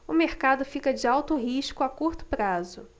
o mercado fica de alto risco a curto prazo